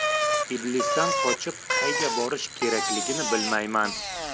iblisdan qochib qayga borish kerakligini bilmayman